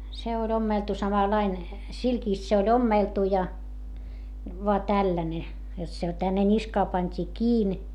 se oli ommeltu samanlainen silkistä se oli ommeltu ja vain tällainen jotta se tänne niskaan pantiin kiinni